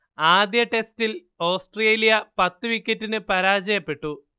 ആദ്യ ടെസ്റ്റിൽ ഓസ്ട്രേലിയ പത്ത് വിക്കറ്റിന് പരാജയപ്പെട്ടു